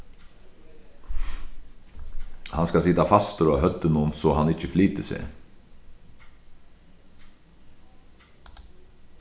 hann skal sita fastur á høvdinum so hann ikki flytur seg